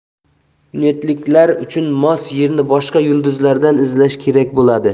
unetliklar uchun mos yerni boshqa yulduzlardan izlash kerak bo'ladi